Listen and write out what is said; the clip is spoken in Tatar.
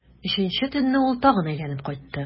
Өченче төнне ул тагын әйләнеп кайтты.